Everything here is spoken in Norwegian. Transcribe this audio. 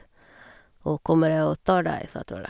Å kommer jeg og tar deg, sa trollet.